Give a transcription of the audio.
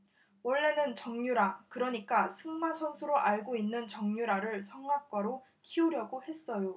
원래는 정유라 그러니까 승마 선수로 알고 있는 정유라를 성악가로 키우려고 했어요